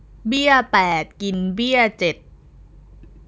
เบี้ยแปดกินเบี้ยเจ็ด